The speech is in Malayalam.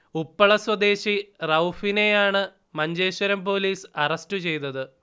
ഉപ്പള സ്വദേശി റഊഫിനെയാണ് മഞ്ചേശ്വരം പോലീസ് അറസ്റ്റു ചെയ്തത്